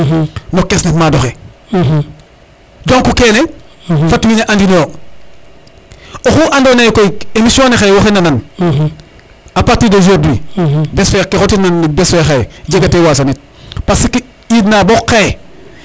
no caisse ne amdoxe donc kene fat wiin we andi noyo oxu ando naye koy émission ne xaye wayey nanan a partir d' aujourd' hui bes fe ke xotit na bes fe xaye jegate wasanit parce que ƴiɗ na bo xaye